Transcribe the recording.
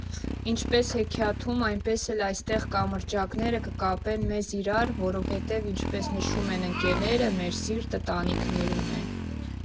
Ինչպես հեքիաթում, այնպես էլ այստեղ կամրջակները կկապեն մեզ իրար, որովհետև ինչպես նշում են ընկերները՝ «մեր սիրտը տանիքներում է»։